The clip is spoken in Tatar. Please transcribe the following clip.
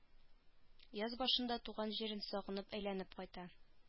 Яз башында туган җирен сагынып әйләнеп кайта